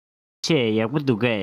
བོད ཆས ཡག པོ འདུག གས